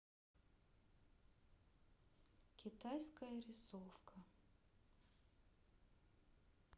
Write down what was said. китайская рисовка